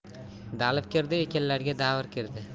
dalv kirdi ekinlarga davr kirdi